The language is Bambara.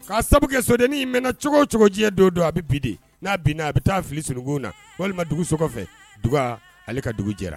K'a sababu sodennin in mɛn na cogo cogo don don a bɛ bi n'a binina a bɛ taa fili skun na walima dugu so kɔfɛ dug ale ka dugu jɛra